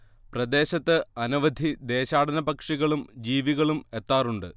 പ്രദേശത്ത് അനവധി ദേശാടന പക്ഷികളും ജീവികളും എത്താറുണ്ട്